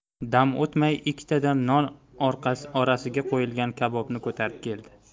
dam o'tmay ikkitadan non orasiga qo'yilgan kabobni ko'tarib keldi